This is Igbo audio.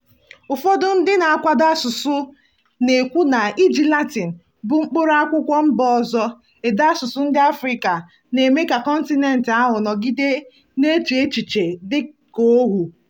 Ụfọdụ ndị na-akwado asụsụ na-ekwu na iji Latin, bụ mkpụrụ akwụkwọ mba ọzọ, ede asụsụ ndị Africa, na-eme ka kọntinentị ahụ nọgide na-eche echiche dị ka ohu.